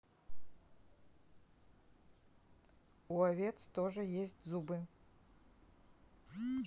у овец тоже есть зубы